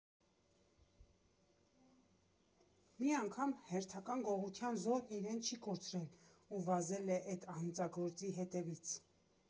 Մի անգամ հերթական գողության զոհն իրեն չի կորցրել ու վազել է էտ հանցագործի հետևից։